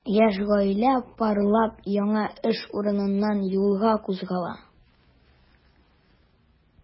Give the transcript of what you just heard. Яшь гаилә парлап яңа эш урынына юлга кузгала.